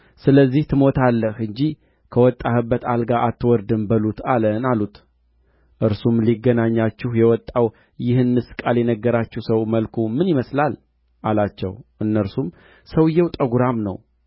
እርሱም ለምን ተመለሳችሁ አላቸው እነርሱም አንድ ሰው ሊገናኘን መጣና ሂዱ ወደ ላካችሁም ንጉሥ ተመልሳችሁ እግዚአብሔር እንዲህ ይላል የአቃሮንን አምላክ ብዔልዜቡልን ትጠይቅ ዘንድ የላከህ በእስራኤል ዘንድ አምላክ ስለሌለ ነውን